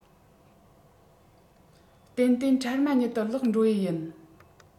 ཏན ཏན འཕྲལ མ ཉིད དུ ལོག འགྲོ ཡི ཡིན